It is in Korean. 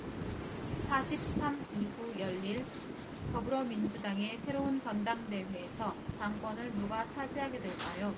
사 십 삼 이후 열릴 더불어민주당의 새로운 전당대회에서 당권을 누가 차지하게 될까요